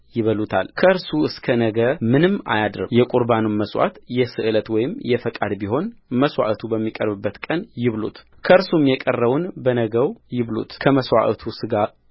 ይበሉታል ከእርሱ እስከ ነገ ምንም አያድርምየቍርባኑም መሥዋዕት የስእለት ወይም የፈቃድ ቢሆን መሥዋዕቱ በሚቀርብበት ቀን ይብሉት ከእርሱም የቀረውን በነጋው ይብሉትከመሥዋዕቱም ሥጋ